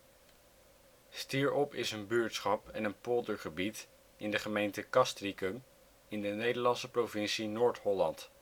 Stierop is buurtschap en een poldergebied in de gemeente Castricum, in de Nederlandse provincie Noord-Holland